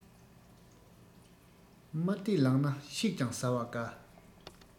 དམར དད ལངས ན ཤིག ཀྱང ཟ བ དགའ